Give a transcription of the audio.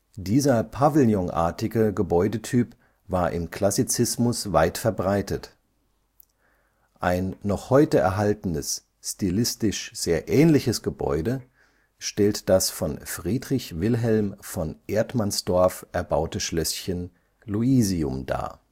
Dieser pavillonartige Gebäudetyp war im Klassizismus weit verbreitet. Ein noch heute erhaltenes, stilistisch sehr ähnliches Gebäude stellt das von Friedrich Wilhelm von Erdmannsdorff erbaute Schlösschen Luisium dar